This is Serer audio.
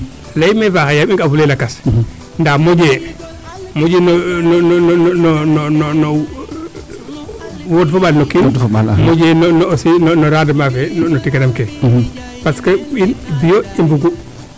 leyiime faaxe yaam i nga'a fule lakas ndaa moƴe moƴe no no won fo ɓaal no kiin moƴe no aussi no rendement fee no tiyanam ke parce que in bio i mbugu